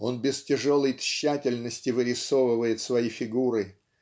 он без тяжелой тщательности вырисовывает свои фигуры